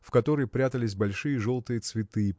в которой прятались большие желтые цветы